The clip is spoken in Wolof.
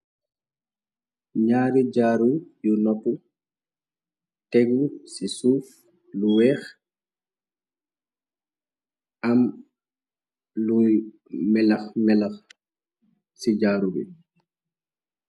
Naari jaaru yu nopp teggu ci suuf lu weex am luy melax melax ci jaaru bi.